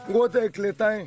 K tɛ ye tile tan ye